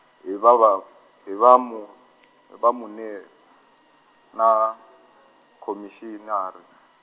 hi vava, hi va Mu-, hi vamuneri na , Khomixinari.